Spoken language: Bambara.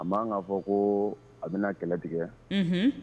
A ma kan ka fɔ ko a bɛ kɛlɛtigɛla, Unhun.